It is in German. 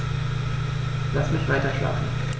Lass mich weiterschlafen.